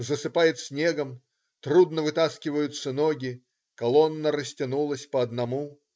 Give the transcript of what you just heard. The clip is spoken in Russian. Засыпает снегом, трудно вытаскиваются ноги, колонна растянулась по одному.